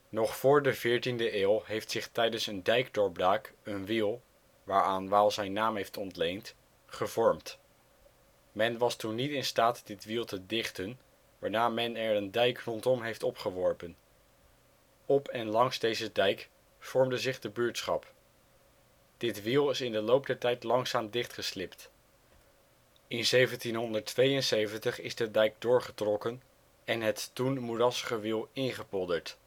Nog voor de 14e eeuw (dus voor 1500) heeft zich tijdens een dijkdoorbraak een wiel (waaraan Waal zijn naam heeft ontleend) gevormd. Men was toen niet in staat dit wiel te dichten waarna men er een dijk rondom heeft opgeworpen. Op en langs deze dijk vormde zich de buurtschap. Dit wiel is in de loop der tijd langzaam dichtgeslibt. In 1772 is de dijk doorgetrokken en het toen moerassige wiel ingepolderd